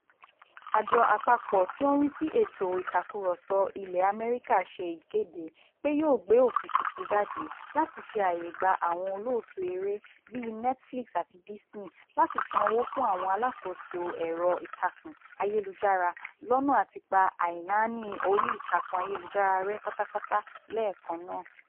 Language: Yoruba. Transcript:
Àjọ àpapọ̀ tí ó ń rí sí ètò ìtakùrọsọ ilẹ̀ Amẹ́ríkà ṣe ìkéde pé yóò gbé òfin tuntun jáde láti fi ààyè gbà àwọn olóòtú eré, bíi Netflix àti Disney, láti San owó fún àwọn alákòóso ẹ̀rọ ìtàkùn ayélujára, lọ́nà àti pa àìnáání orí ìtàkùn ayélujára rẹ́ pátá pátá lẹ́ẹ̀kan náà.